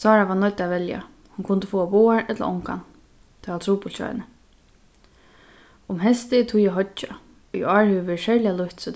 sára var noydd at velja hon kundi fáa báðar ella ongan tað var trupult hjá henni um heystið er tíð at hoyggja í ár hevur verið serliga lýtt so